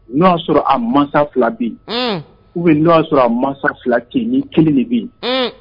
N'o y'a sɔrɔ a masa 2 bɛ yen, unn, ou bien n'o y'a sɔrɔ a masa 2 tɛyen ,ni kelen de bɛ yen